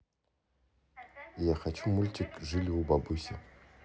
я хочу мультик жили у бабуси